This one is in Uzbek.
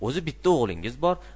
o'zi bitta o'g'lingiz bor